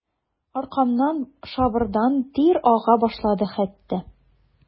Аркамнан шабырдап тир ага башлады хәтта.